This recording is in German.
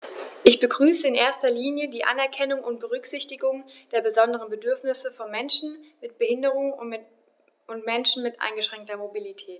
Ich begrüße in erster Linie die Anerkennung und Berücksichtigung der besonderen Bedürfnisse von Menschen mit Behinderung und Menschen mit eingeschränkter Mobilität.